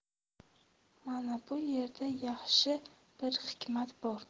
mana bu yerda yaxshi bir hikmat bor